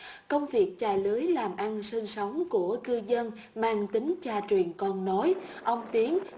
công việc chài lưới làm ăn sinh sống của cư dân mang tính cha truyền con nối ông tiến